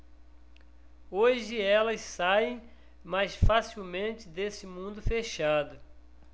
hoje elas saem mais facilmente desse mundo fechado